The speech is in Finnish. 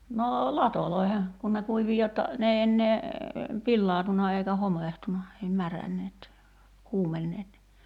no latoihin kun ne kuivui jotta ne ei enää pilaantunut eikä homehtunut ei märänneet kuumenneet niin